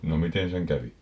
no miten sen kävi